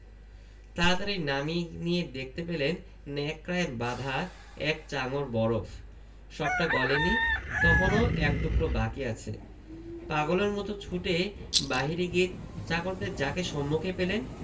তাড়াতাড়ি নামিয়ে নিয়ে দেখতে পেলেন ন্যাকড়ায় বাঁধা এক চাঙড় বরফ সবটা গলেনি তখনও এক টুকরো বাকি আছে পাগলের মত ছুটে বাহিরে গিয়ে চাকরদের যাকে সুমুখে পেলেন